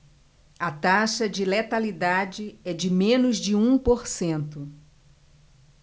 a taxa de letalidade é de menos de um por cento